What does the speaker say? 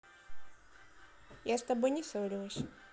я с тобой не ссорилась